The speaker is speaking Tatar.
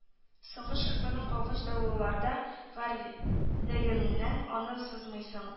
Соңгы шырпың калгач далаларда гарьлегеңнән аны сызмыйсың